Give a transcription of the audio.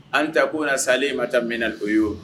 An taa ko na salen ma taa min na to ye o